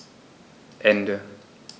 Ende.